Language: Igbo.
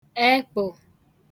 ekpụ̀